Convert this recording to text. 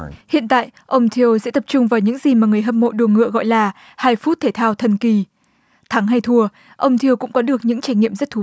hiện tại ông thiêu sẽ tập trung vào những gì mà người hâm mộ đua ngựa gọi là hai phút thể thao thần kỳ thắng hay thua ông thiêu cũng có được những trải nghiệm rất thú